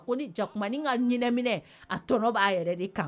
Ko ni jakumain ka nminɛ a tɔnɔ b'a yɛrɛ de kan